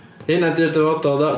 Hyyna 'di'r dyfodol de.